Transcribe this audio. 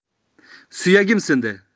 suyagim sindi